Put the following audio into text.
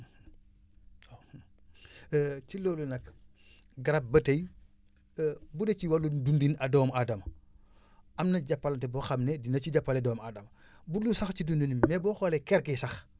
ci loolu nag garab ba tey bu dee ci wàllum dundin doomu aadama am na jàppalante boo xam ne dina ci jàppale doomu aadama bu dul sax ci dundin mais boo xoolee ker gi sax